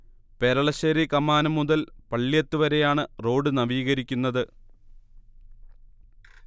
പെരളശ്ശേരി കമാനം മുതൽ പള്ള്യത്ത് വരെയാണ് റോഡ് നവീകരിക്കുന്നത്